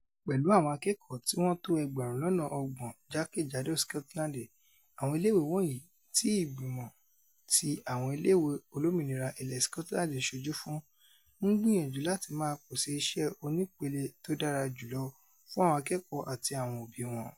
Pẹ̀lu àwọn akẹ́kọ̀ọ́ tíwọ́n tó ẹgbẹ̀rún lọ́nà ọgbọ̀n jákè-jádò Sikọtiland, àwọn ilé ìwé wọ̀nyí, ti igbìmọ̀ ti àwọn Ilé ìwé olómìnira Ilẹ Sikotiland ńṣojú fún. ńgbìyaǹjú láti máa pèsè iṣẹ́ onípele tódára jùlọ fún àwọn akẹ́kọ̀ọ́ àti àwọn òbí wọn.